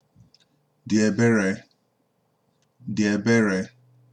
dị èberè